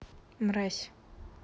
мразь